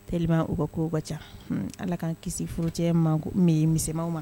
Tellement o ka kow ka ca, Ala k'an kisi furu cɛ ma, ko min minsɛmanw ma.